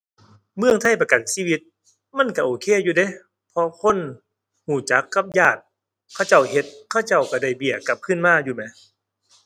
เมืองไทยประกันชีวิตมันก็โอเคอยู่เดะ เพราะคนก็จักกับญาติเขาเจ้าเฮ็ดเขาเจ้าก็ได้เบี้ยกลับคืนมาอยู่แหม